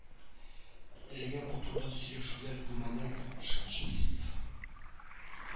Әлегә бу турда сөйләшүләр булмады, ди Илшат Шәмсиев